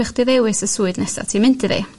helpu chdi ddewis y swydd nesa ti mynd iddi